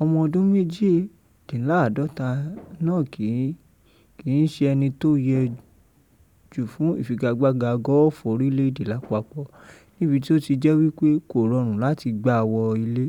ọmọ ọdún 48 náà kìíṣe ẹní tó yẹ jù fún ìfigagbaga Gọ́ọ̀fù orílẹ̀ èdè lápapọ̀, níbi tí ó ti jẹ́ wípé kò rọrùn láti gbá wọ ilé.